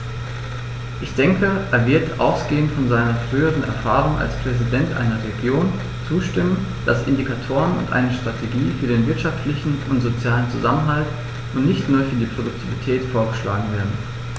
Ich denke, er wird, ausgehend von seiner früheren Erfahrung als Präsident einer Region, zustimmen, dass Indikatoren und eine Strategie für den wirtschaftlichen und sozialen Zusammenhalt und nicht nur für die Produktivität vorgeschlagen werden.